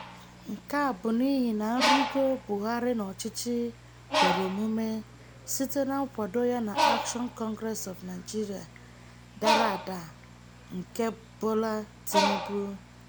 Nke a bụ n'ihi na nrịgo Buhari n'ọchịchị kwere omume site na nkwado ya na Action Congress of Nigeria (ACN) dara ada nke Bola Tinubu.